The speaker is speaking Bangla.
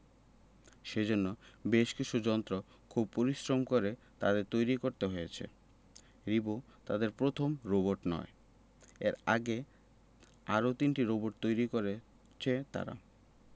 সেজন্য বেশ কিছু যন্ত্র খুব পরিশ্রম করে তাদের তৈরি করতে হয়েছে রিবো তাদের প্রথম রোবট নয় এর আগে আরও তিনটি রোবট তৈরি করেছে তারা